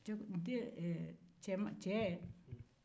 cɛ den ee cɛma cɛ